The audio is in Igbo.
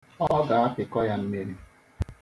Ọ ga-apịkọ ya mmiri.